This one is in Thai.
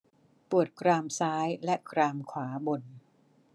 ปวดกรามซ้ายและกรามขวาบน